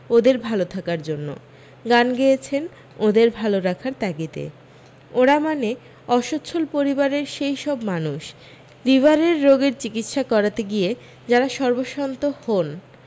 ওঁদের ভাল থাকার জন্য গান গেয়েছেন ওঁদের ভাল রাখার তাগিদে ওঁরা মানে অসচ্ছল পরিবারের সেই সব মানুষ লিভারের রোগের চিকিৎসা করাতে গিয়ে যারা সর্বস্বান্ত হন